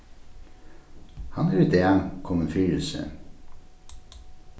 hann er í dag komin fyri seg